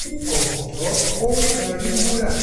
Ní ọ̀gànjọ́, ó ríran rí wúrà.